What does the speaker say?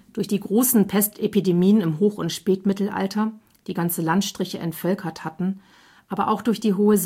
Durch die großen Pest-Epidemien im Hoch - und Spätmittelalter, die ganze Landstriche entvölkert hatten, aber auch durch die hohe